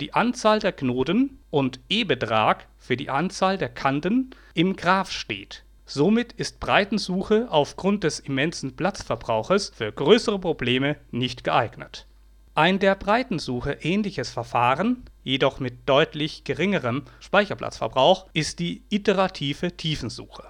Anzahl der Knoten und | E |{\ displaystyle \ vert E \ vert} für die Anzahl der Kanten im Graph steht. Somit ist Breitensuche aufgrund des immensen Platzverbrauches für größere Probleme ungeeignet. Ein der Breitensuche ähnliches Verfahren, jedoch mit deutlich geringerem Speicherplatzverbrauch, ist die iterative Tiefensuche